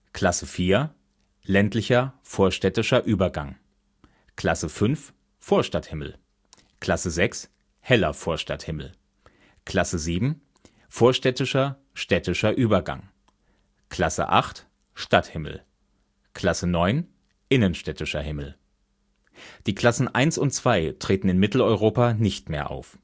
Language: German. Klasse 4: Ländlicher / vorstädtischer Übergang Klasse 5: Vorstadthimmel Klasse 6: Heller Vorstadthimmel Klasse 7: Vorstädtischer / städtischer Übergang Klasse 8: Stadthimmel Klasse 9: Innenstädtischer Himmel Die Klassen 1 und 2 treten in Mitteleuropa nicht mehr auf